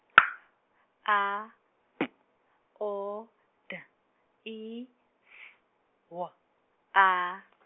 Q A P O D I S W A .